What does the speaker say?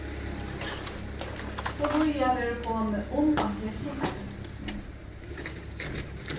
so víða verður komið um á hesum arbeiðsplássinum